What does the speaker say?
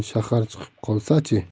shahar chiqib qolsa chi